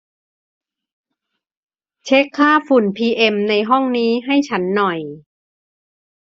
เช็คค่าฝุ่น PM ในห้องนี้ให้ฉันหน่อย